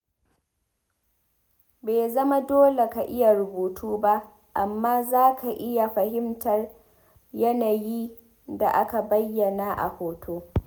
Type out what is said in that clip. Bai zama dole ka iya karatu ba, amma za ka iya fahimtar yanayi da aka bayyana a hoton.